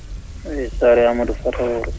eeyi Saare Amadou Fatawooro